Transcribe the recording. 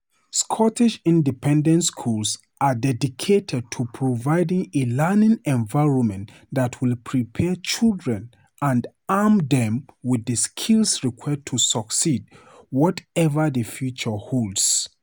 Scottish independent schools are dedicated to providing a learning environment that will prepare children and arm them with the skills required to succeed, whatever the future holds.